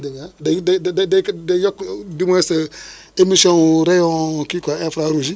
dégg nga ah day day day day yokku du moins émission rayon kii quopi infra rouge yi